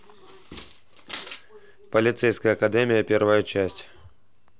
полицейская академия первая часть